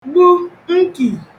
gbu nkì